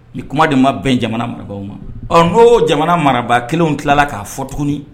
Ni kuma de ma bɛn jamana marabagaw ma ɔ n' jamana marabaa kelen tilala k'a fɔt tuguni